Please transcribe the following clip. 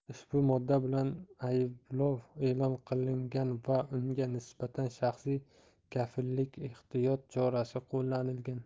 ushbu modda bilan ayblov e'lon qilingan va unga nisbatan shaxsiy kafillik ehtiyot chorasi qo'llanilgan